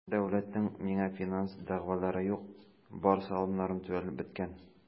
Дәүләтнең миңа финанс дәгъвалары юк, бар салымнарым түләнеп беткән.